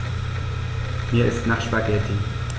Mir ist nach Spaghetti.